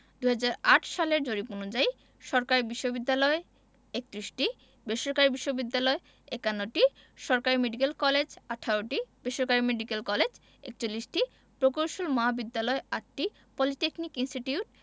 ২০০৮ সালের জরিপ অনুযায়ী সরকারি বিশ্ববিদ্যালয় ৩১টি বেসরকারি বিশ্ববিদ্যালয় ৫১টি সরকারি মেডিকেল কলেজ ১৮টি বেসরকারি মেডিকেল কলেজ ৪১টি প্রকৌশল মহাবিদ্যালয় ৮টি পলিটেকনিক ইনস্টিটিউট